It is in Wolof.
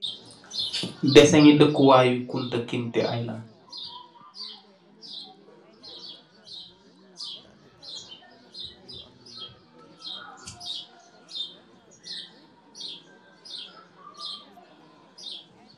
Desengi deukuwaayu kunta kinteh island.